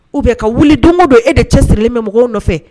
U bɛ ka wuli damaba don e de cɛ sirilen bɛ mɔgɔw nɔfɛ